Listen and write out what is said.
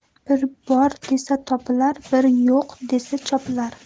bor bor desa topilar yo'q bor desa chopilar